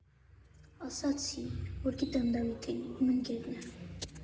Ասացի, որ գիտեմ Դավիթին, իմ ընկերն է։